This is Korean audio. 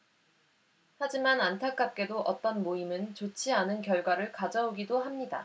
하지만 안타깝게도 어떤 모임은 좋지 않은 결과를 가져오기도 합니다